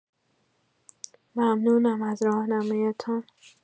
ممنونم از راهنمایی‌تان.